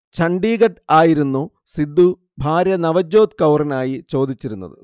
ഛണ്ഡീഗഡ് ആയിരുന്നു സിദ്ധു ഭാര്യ നവജ്യോത് കൗറിനായി ചോദിച്ചിരുന്നത്